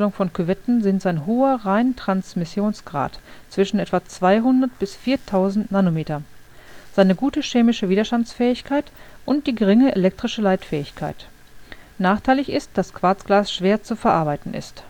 von Küvetten sind sein hoher Reintransmissionsgrad zwischen etwa 200 bis 4000 nm, seine gute chemische Widerstandsfähigkeit und die geringe elektrische Leitfähigkeit. Nachteilig ist, dass Quarzglas schwer zu verarbeiten ist